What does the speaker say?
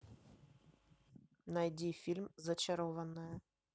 найди фильм зачарованная